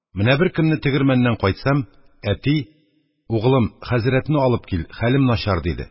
Менә беркөнне тегермәннән кайтсам, әти: «Угылым, хәзрәтне алып кил, хәлем начар», – диде.